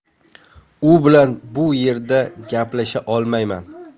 u bilan bu yerda gaplasha olmayman